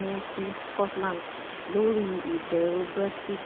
NHS Scotland lórí ìbẹ́rù Brexit